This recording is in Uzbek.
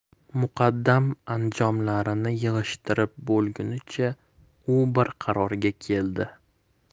muqaddam anjomlarini yig'ishtirib bo'lguncha u bir qarorga keldi